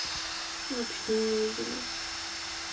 вообще не виделись